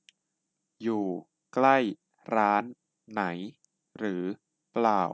อยู่ใกล้ร้านไหนหรือเปล่า